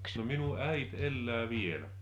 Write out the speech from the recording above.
no minun äiti elää vielä